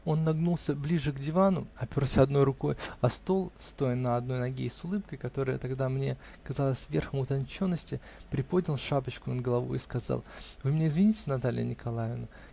Он нагнулся ближе к дивану, оперся одной рукой о стол, стоя на одной ноге, и с улыбкой, которая тогда мне казалась верхом утонченности, приподнял шапочку над головой и сказал: -- Вы меня извините, Наталья Николаевна?